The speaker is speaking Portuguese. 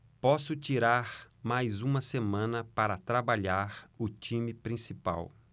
posso tirar mais uma semana para trabalhar o time principal